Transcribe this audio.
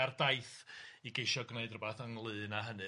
i geisio gneud rhywbeth ynglŷn â hynny.